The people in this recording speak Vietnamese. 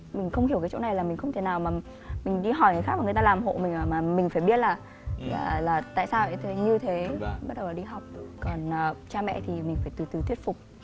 mình không hiểu cái chỗ này là mình không thể nào mà mình đi hỏi người khác mà người ta làm hộ mình cả mà mình phải biết là là tại sao lại như thế bắt đầu đi học còn à cha mẹ thì mình phải từ từ thuyết phục